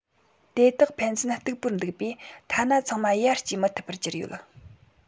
དེ དག ཕན ཚུན སྟུག པོར འདུག པས ཐ ན ཚང མ ཡར སྐྱེ མི ཐུབ པར གྱུར ཡོད